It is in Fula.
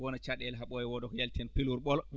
wona caɗeele haa ɓooya wooda ko yalti heen peelori ɓolo